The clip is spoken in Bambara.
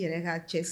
Yɛrɛ'a cɛ